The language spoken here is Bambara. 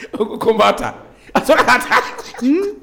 Ko n b'a ta a to a ka'a ta.